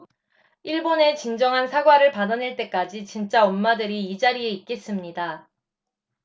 일본의 진정한 사과를 받아낼 때까지 진짜 엄마들이 이 자리에 있겠습니다